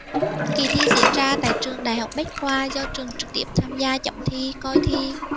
kì thi diễn ra tại trường đại học bách khoa do trường trực tiếp tham gia chấm thi coi thi